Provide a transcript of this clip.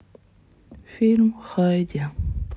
фильм хайди